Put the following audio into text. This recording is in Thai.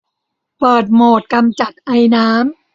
เปิดโหมดกำจัดไอน้ำ